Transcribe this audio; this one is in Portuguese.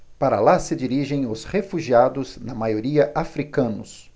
para lá se dirigem os refugiados na maioria hútus